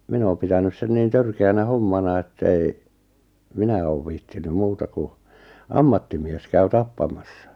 minä olen pitänyt sen niin törkeänä hommana että ei minä ole viitsinyt muuta kun ammattimies käy tappamassa